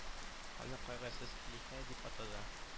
Аны кайсыгыз алиһә дип атады